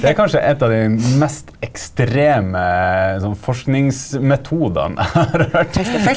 det er kanskje et av de mest ekstreme sånn forskningsmetodene jeg har hørt.